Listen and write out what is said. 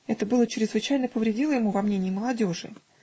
Это было чрезвычайно повредило ему во мнении молодежи.